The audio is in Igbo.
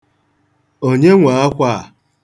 Onye nwe akwa a?